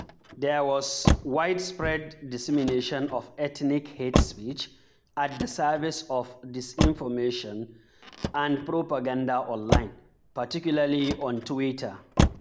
There was widespread dissemination of ethnic hate speech at the service of disinformation and propaganda online, particularly on Twitter.